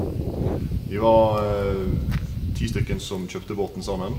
Vi var ti stykker som kjøpte båten sammen.